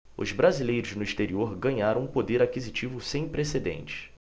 os brasileiros no exterior ganharam um poder aquisitivo sem precedentes